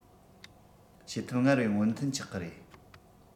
བྱེད ཐབས སྔར བས སྔོན ཐོན ཆགས གི རེད